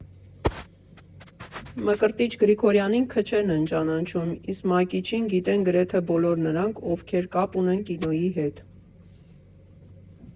Մկրտիչ Գրիգորյանին քչերն են ճանաչում, իսկ Մակիչին գիտեն գրեթե բոլոր նրանք, ովքեր կապ ունեն կինոյի հետ։